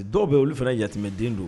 Dɔw bɛ olu fana yamɛden don